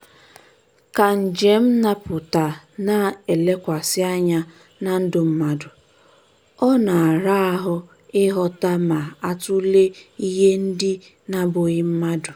Ka njem nnapụta na-elekwasị anya na ndụ mmadụ, ọ na-ara ahụ ịgụta ma atule ihe ndị na-abụghị mmadụ.